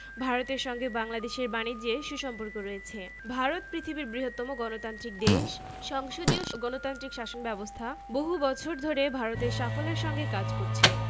ভারতের সঙ্গে বাংলাদেশের বানিজ্যে সু সম্পর্ক রয়েছে ভারত পৃথিবীর বৃহত্তম গণতান্ত্রিক দেশ সংসদীয় গণতান্ত্রিক শাসন ব্যাবস্থা বহু বছর ধরে ভারতে সাফল্যের সঙ্গে কাজ করছে